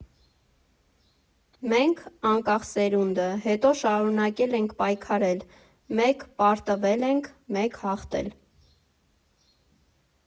Մենք՝ անկախ սերունդը, հետո շարունակել ենք պայքարել, մեկ պարտվել ենք, մեկ հաղթել։